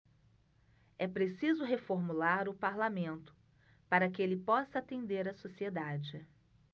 é preciso reformular o parlamento para que ele possa atender a sociedade